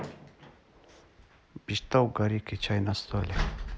биштов горький чай на столе